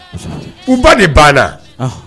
Nba de banna